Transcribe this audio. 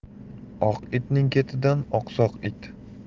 oq itning ketidan oqsoq it